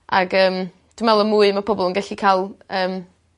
Ag yym dwi me'wl y mwy ma' pobol yn gellu ca'l yym